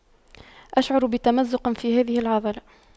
أشعر بتمزق في هذه العضلة